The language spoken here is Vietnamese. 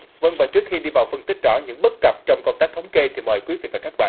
vâng và trước khi đi vào phân tích rõ những bất cập trong công tác thống kê thì mời quý vị và các bạn